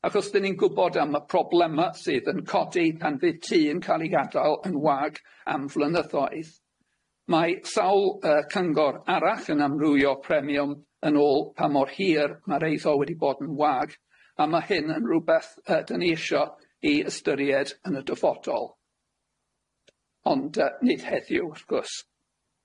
Achos dyn ni'n gwbod am y problema sydd yn codi pan fydd tŷ yn ca'l ei gada'l yn wag am flynyddoedd, mae sawl yy cyngor arall yn amrywio premiwm yn ôl pa mor hir ma'r eiddo wedi bod yn wag, a ma' hyn yn rwbeth yy dan ni isio i ystyried yn y dyfodol, ond yy nid heddiw wrth gwrs.